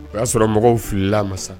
O y'a sɔrɔ mɔgɔw fili ma sa